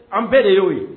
An bɛɛ de ye o ye